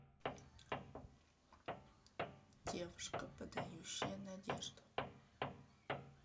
девушка подающая надежду